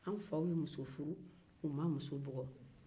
an faw ye muso furu u ma muso bugɔ